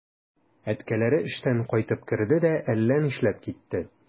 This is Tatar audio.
Әткәләре эштән кайтып керде дә әллә нишләп китте.